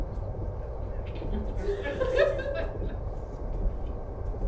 Lackenby-Brown, Lackenby-blue I can be violet sky